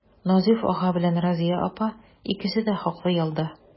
Назыйф ага белән Разыя апа икесе дә хаклы ялда.